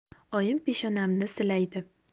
oyim peshonamni silaydi